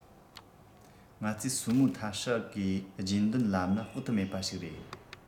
ང ཚོས སུའུ མུའུ ཐ ཧྲི གིས རྗེས མདུན ལམ ནི དཔག ཏུ མེད པ ཞིག རེད